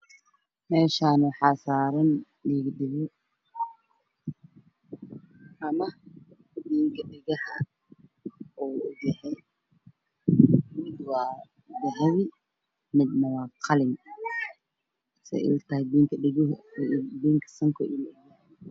Meshaan waxaa saaran dhigo dhego midna waa dahabi midna waa qalin